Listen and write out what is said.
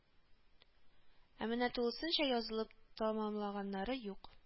Ә менә тулысынча язылып тәмамлаганнары юк